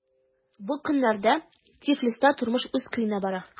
Бу көннәрдә Тифлиста тормыш үз көенә бара.